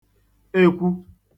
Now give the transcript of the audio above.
ekwu